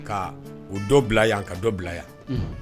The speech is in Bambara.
Ka o dɔ bila yan ka dɔ bila yan, unhun.